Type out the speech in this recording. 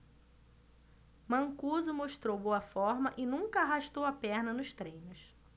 mancuso mostrou boa forma e nunca arrastou a perna nos treinos